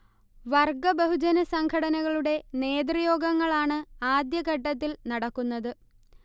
വർഗ ബഹുജന സംഘടനകളുടെ നേതൃയോഗങ്ങളാണ് ആദ്യഘട്ടത്തിൽ നടക്കുന്നത്